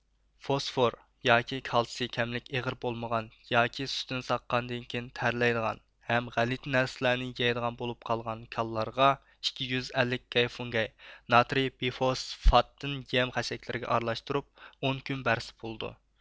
فوسفور ياكى كالتسىي كەملىك ئېغىر بولمىغان ياكى سۈتىنى ساغقاندىن كېيىن تەرلەيدىغان ھەم غەلىتە نەرسىلەرنى يەيدىغان بولۇپ قالغان كالىلارغا ئىككى يۈز ئەللىك گەيفۇڭگەي ناترىي بىفوسفاتتىن يەم خەشەكلىرىگە ئارىلاشتۇرۇپ ئون كۈن بەرسە بولىدۇ